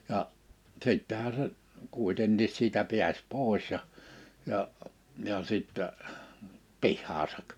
ja sittenhän se kuitenkin siitä pääsi pois ja ja ja sitten pihaansa